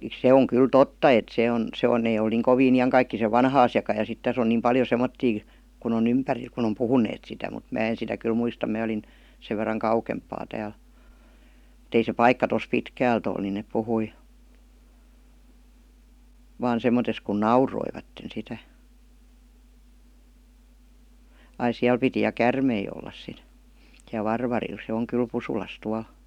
se on kyllä totta että se on se on ne ei ole niin kovin iankaikkisen vanha asiakaan ja sitten tässä on niin paljon semmoisia kun on ympärillä kun on puhuneet sitä mutta minä en sitä kyllä muista minä olin sen verran kauempaa täällä mutta ei se paikka tuossa pitkältä ole niin ne puhui vain semmottoon kun nauroivat sitä ai siellä piti ja käärmeitä olla sitten siellä Varvarilla se on kyllä Pusulassa tuolla